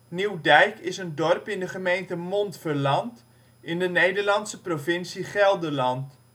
Nieuw-Dijk is een dorp in de gemeente Montferland in de Nederlandse provincie Gelderland